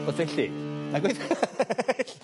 'bath felly? Nagoedd?